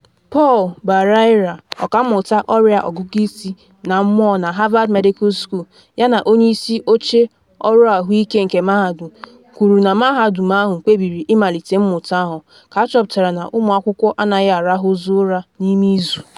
Paul Barreira, ọkammụta ọrịa ọgụgụ isi na mmụọ na Harvard Medical School yana onye isi oche ọrụ ahụike nke mahadum, kwuru na mahadum ahụ kpebiri ịmalite mmụta ahụ ka achọpụtara na ụmụ akwụkwọ anaghị arahụzu ụra n’ime izu.